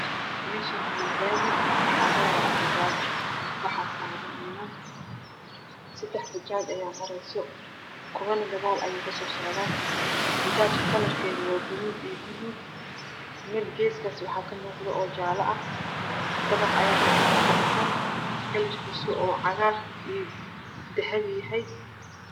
Meeshaan Waa laami waxaa maraayo bajaaj waxaa saaran niman seddex bajaaj ah ayaa mareyso kuwana gadaal ayay kasoo socdaan bajaajka kalarkeedu waa gaduud iyo buluug meel geeskaasna waxaa kamuuqdo mid jaalo ah dabaq ayaa halkaas kadhisan kalarkiisu uu cagaar iyo dahabi yahay.